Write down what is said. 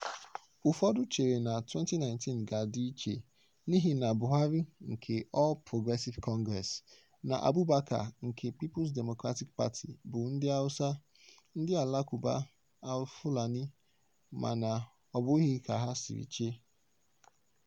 Ụfọdụ chere na 2019 ga-adị iche n'ihi na Buhari nke All Progressive Congress (APC) na Abubakar nke People's Democratic Party (PDP) bụ ndị Hausa, ndị Alakụba Fulani, mana ọbụghị ka ha siri che.